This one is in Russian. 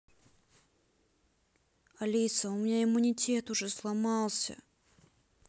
алиса у меня иммунитет уже сломался